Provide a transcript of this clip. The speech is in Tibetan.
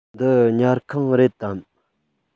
འདི ཉལ ཁང རེད དམ